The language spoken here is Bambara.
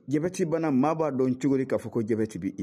Diabète banna maa ba dɔn cogo di ka fɔ ko Diabète